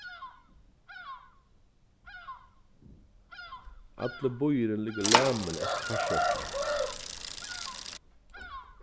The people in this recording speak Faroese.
allur býurin liggur lamin eftir farsóttina